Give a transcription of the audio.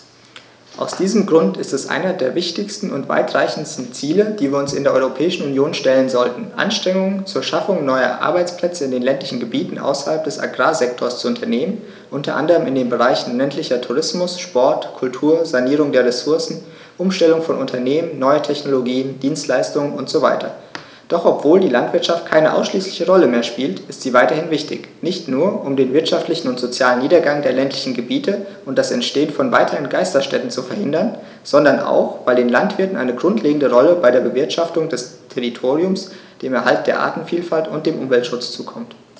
Aus diesem Grund ist es eines der wichtigsten und weitreichendsten Ziele, die wir uns in der Europäischen Union stellen sollten, Anstrengungen zur Schaffung neuer Arbeitsplätze in den ländlichen Gebieten außerhalb des Agrarsektors zu unternehmen, unter anderem in den Bereichen ländlicher Tourismus, Sport, Kultur, Sanierung der Ressourcen, Umstellung von Unternehmen, neue Technologien, Dienstleistungen usw. Doch obwohl die Landwirtschaft keine ausschließliche Rolle mehr spielt, ist sie weiterhin wichtig, nicht nur, um den wirtschaftlichen und sozialen Niedergang der ländlichen Gebiete und das Entstehen von weiteren Geisterstädten zu verhindern, sondern auch, weil den Landwirten eine grundlegende Rolle bei der Bewirtschaftung des Territoriums, dem Erhalt der Artenvielfalt und dem Umweltschutz zukommt.